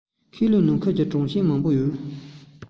ཁས ལེན ནང ཁུལ གྱི གྲོས ཆོད མང པོ ཡོད